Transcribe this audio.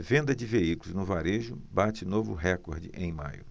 venda de veículos no varejo bate novo recorde em maio